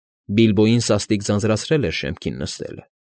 Բիլբոյին սաստիկ ձանձրացրել էր շեմքին նստելը։